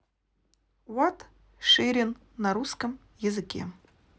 what ширин на русском языке